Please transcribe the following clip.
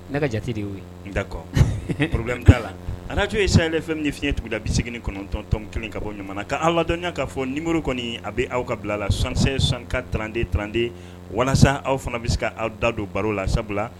Ne ka jate de'o ye n da kɔ poro'a la a n'a to ye sa fɛn ni fiɲɛɲɛ tuguda bɛ segin kɔnɔntɔntɔn kelen ka bɔ jamana' aw ladɔnya k'a fɔ niuru kɔni a bɛ aw ka bila la sankisɛ sanka tranden tranden walasa aw fana bɛ se aw da don baro la sabula